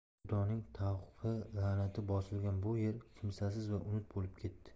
xudoning tavqi lanati bosilgan bu yer kimsasiz va unut bo'lib ketdi